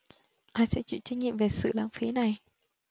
ai sẽ chịu trách nhiệm về sự lãng phí này